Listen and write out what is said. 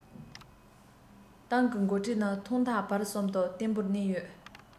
ཏང གི འགོ ཁྲིད ནི ཐོག མཐའ བར གསུམ དུ བརྟན པོར གནས ཡོད